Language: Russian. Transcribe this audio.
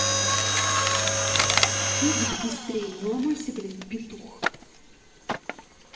выйди побыстрей не ломайся блин петух